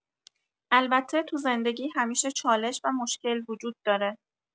البته تو زندگی همیشه چالش و مشکل وجود داره.